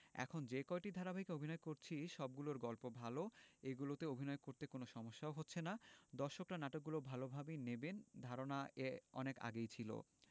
এখন যে কয়টি ধারাবাহিকে অভিনয় করছি সবগুলোর গল্প ভালো এগুলোতে অভিনয় করতে কোনো সমস্যাও হচ্ছে না দর্শকরা নাটকগুলো ভালোভাবেই নেবেন ধারণা আগেই ছিল